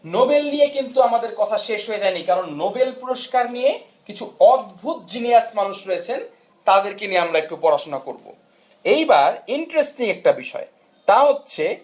Nobel নিয়ে কিন্তু আমাদের কথা শেষ হয়ে যায়নি কারণ নোবেল পুরস্কার নিয়ে কিছু অদ্ভুত জিনিস মানুষ রয়েছেন তাদেরকে নিয়ে আমরা একটু পড়াশুনা করব এইবার ইন্টারেস্টিং একটা বিষয় তা হচ্ছে